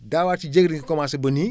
daawaati jéeg la ñu commencé ba nii